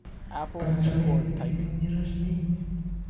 поздравляю у тебя сегодня день рождения